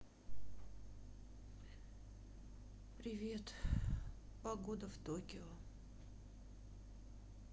привет погода в токио